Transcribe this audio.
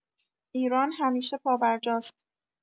ایران همیشه پابرجاست.